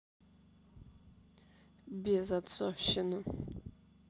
безотцовщина